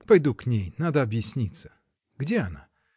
— Пойду к ней, надо объясниться. Где она?